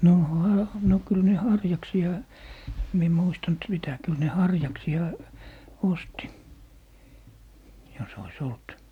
no - no kyllä ne harjaksia en minä muistanut sitä kyllä ne harjaksia osti jos olisi ollut